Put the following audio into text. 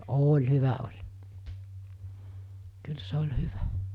oli hyvä oli kyllä se oli hyvä